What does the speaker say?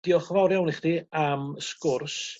diolch yn fawr iawn i chdi am sgwrs